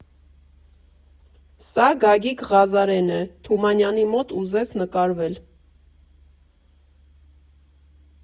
Սա Գագիկ Ղազարեն է, Թումանյանի մոտ ուզեց նկարվել։